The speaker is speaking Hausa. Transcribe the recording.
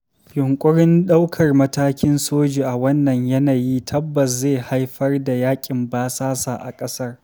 Yunƙurin ɗaukar matakin soji a wannan yanayi tabbas zai haifar da yaƙin basasa a ƙasar.